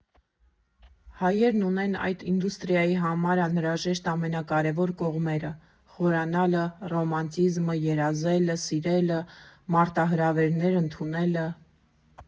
Հայերն ունեն այս ինդուստրիայի համար անհրաժեշտ ամենակարևոր կողմերը՝ խորանալը, ռոմանտիզմը, երազելը, սիրելը, մարտահրավերներ ընդունելը։